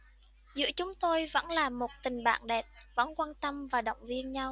giữa chúng tôi vẫn là một tình bạn đẹp vẫn quan tâm và động viên nhau